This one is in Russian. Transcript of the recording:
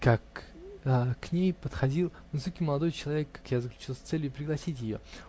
К ней подходил высокий молодой человек, как я заключил, с целью пригласить ее